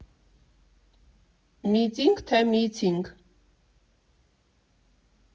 Միտի՞նգ, թե՞ միծինգ։